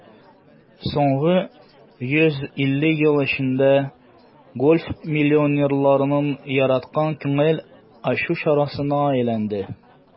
Соңгы 150 ел эчендә гольф миллионерларның яраткан күңел ачу чарасына әйләнде.